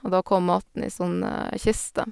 Og da kom maten i sånne kister.